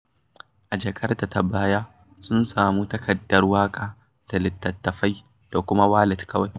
A jakarta ta baya, sun samu takardar waƙa da littattafai da kuma walet kawai.